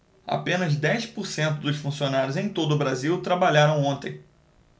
apenas dez por cento dos funcionários em todo brasil trabalharam ontem